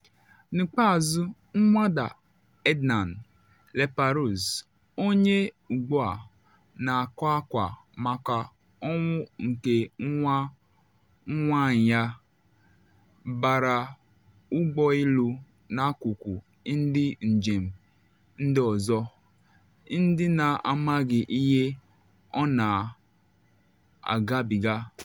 N’ikpeazụ Nwada Ednan-Laperouse, onye ugbu a na akwa akwa maka ọnwụ nke nwa nwanyị ya, bara ụgbọ elu n’akụkụ ndị njem ndị ọzọ - ndị na amaghị ihe ọ na agabiga.